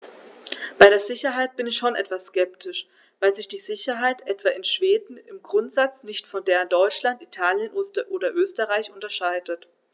Bei der Sicherheit bin ich schon etwas skeptisch, weil sich die Sicherheit etwa in Schweden im Grundsatz nicht von der in Deutschland, Italien oder Österreich unterscheidet.